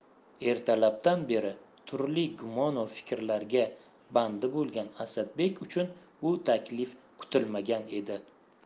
ertalabdan beri turli gumonu fikrlarga bandi bo'lgan asadbek uchun bu taklif kutilmagan edi